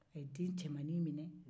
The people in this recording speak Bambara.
a ye den cɛmannin in minɛ